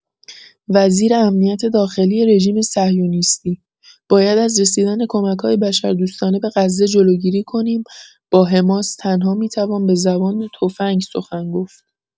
وزیر امنیت داخلی رژیم صهیونیستی: باید از رسیدن کمک‌‌های بشردوستانه به غزه جلوگیری کنیم با حماس تنها می‌توان به زبان تفنگ سخن گفت.